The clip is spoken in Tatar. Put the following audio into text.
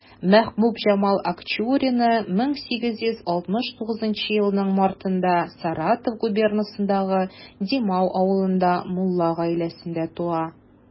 Мәхбүбҗамал Акчурина 1869 елның мартында Саратов губернасындагы Димау авылында мулла гаиләсендә туа.